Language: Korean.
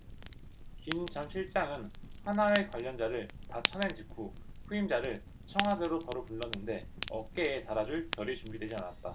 김 전 실장은 하나회 관련자를 다 쳐낸 직후 후임자를 청와대로 바로 불렀는데 어깨에 달아줄 별이 준비되지 않았다